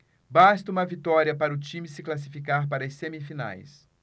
basta uma vitória para o time se classificar para as semifinais